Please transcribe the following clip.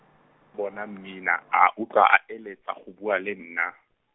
bona Mmina a utlwa a eletsa go bua le nna.